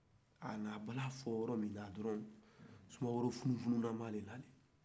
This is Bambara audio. a ye bala fɔ yɔrɔ min na dɔrɔn soumaoro funu-fununama de nana